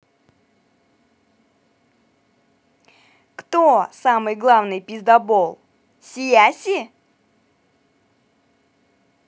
кто самый главный пиздабол сияси